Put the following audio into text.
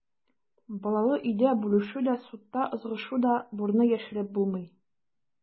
Балалы өйдә бүлешү дә, судта ызгышу да, бурны яшереп булмый.